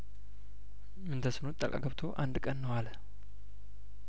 ምን ተስኖት ጣልቃ ገብቶ አንድ ቀን ነው አለ